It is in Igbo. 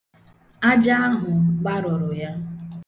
Aja ahụ gbarụrụ ya.